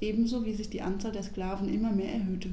ebenso wie sich die Anzahl der Sklaven immer mehr erhöhte.